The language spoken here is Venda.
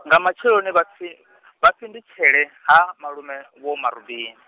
nga matsheloni vha fhi-, vha fhindutshele, ha malume, Vho Murabi.